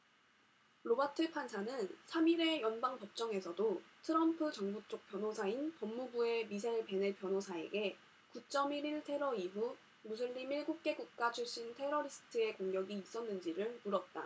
로바트 판사는 삼 일의 연방법정에서도 트럼프 정부쪽 변호사인 법무부의 미셀 베넷 변호사에게 구 쩜 일 일 테러 이후 무슬림 일곱 개국가 출신 테러리스트의 공격이 있었는지를 물었다